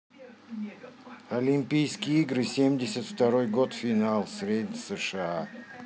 олимпийские игры семьдесят второй год финал ср сша